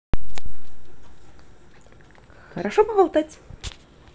хорошо поболтать